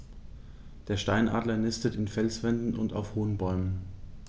Der Steinadler nistet in Felswänden und auf hohen Bäumen.